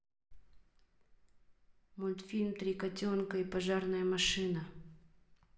мультфильм три котенка и пожарная машина